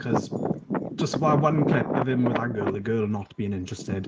'Cause, just that one clip of him with that girl, the girl not being interested...